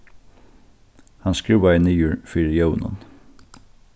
hann skrúvaði niður fyri ljóðinum